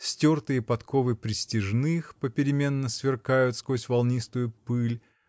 стертые подковы пристяжных попеременно сверкают сквозь волнистую пыль